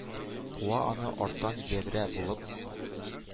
Куа аны арттан, ядрә булып,